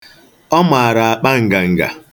Ọ maara akpa nganga.